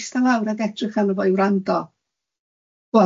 a dyma fo jyst ista lawr ag edrych arno fo i wrando.